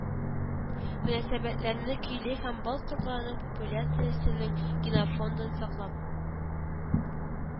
Мөнәсәбәтләрне көйли һәм бал кортлары популяциясенең генофондын саклап